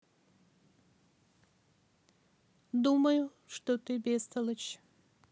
думаю что ты бестолочь